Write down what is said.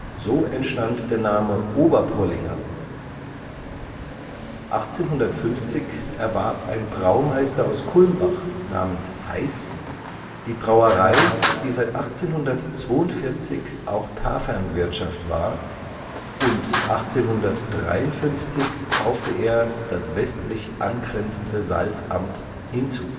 So entstand der Name „ Oberpollinger “. 1850 erwarb ein Braumeister aus Kulmbach namens Heiss die Brauerei die seit 1842 auch Tafernwirtschaft war und 1853 kaufte er das westlich angrenzende Salzamt hinzu